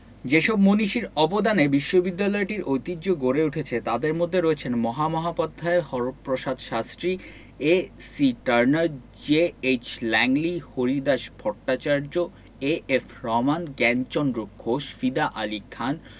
যেসব মনীষীর অবদানে বিশ্ববিদ্যালয়টির ঐতিহ্য গড়ে উঠেছে তাঁদের মধ্যে রয়েছেন Mahamahopadhyay Haraprasad Shastri A C Turner G H Langley Haridas Bhattacharya A F Rahman Jnanchandra Ghosh Fida Ali খান